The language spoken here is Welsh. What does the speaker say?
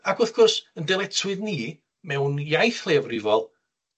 Ac wrth gwrs, ein dyletswydd ni mewn iaith leiafrifol